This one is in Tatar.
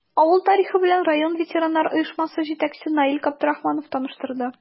Авыл тарихы белән район ветераннар оешмасы җитәкчесе Наил Габдрахманов таныштырды.